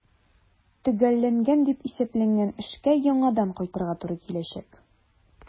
Төгәлләнгән дип исәпләнгән эшкә яңадан кайтырга туры киләчәк.